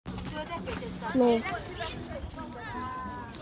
плох